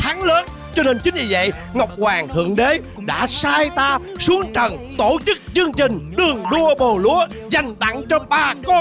thắng lớn cho nên chính vì vậy ngọc hoàng thượng đế đã sai ta xuống trần tổ chức chương trình đường đua bồ lúa dành tặng cho bà con